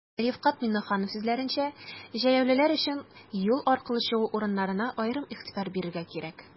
Рифкать Миңнеханов сүзләренчә, җәяүлеләр өчен юл аркылы чыгу урыннарына аерым игътибар бирергә кирәк.